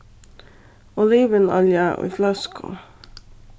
olivinolja í fløsku